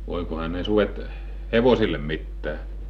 voikohan ne sudet hevosille mitään